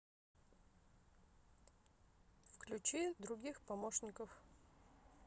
включи других помощников